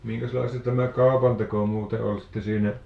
minkäslaista tämä kaupanteko muuten oli sitten siinä